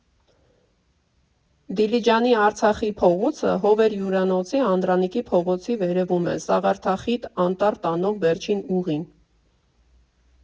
Դիլիջանի Արցախի փողոցը «Հովեր» հյուրանոցի Անդրանիկի փողոցի վերևում է՝ սաղարթախիտ անտառ տանող վերջին ուղին։